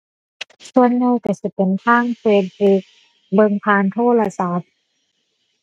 ส่วนใหญ่ก็สิเป็นทาง Facebook เบิ่งผ่านโทรศัพท์